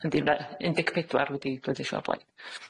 Yndi, ma' un deg pedwar wedi pleidleisio o blaid.